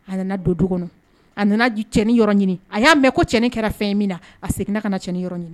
A nana don du kɔnɔ . A nana cɛnin yɔrɔ ɲini. A ya mɛn ko cɛnin kɛra fɛn min na a seginna ka na cɛnin yɔrɔ ɲini